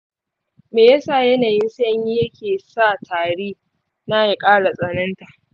me yasa yanayin sanyi yake sa tari na ya ƙara tsananta?